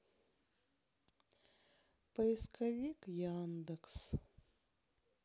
поисковик яндекс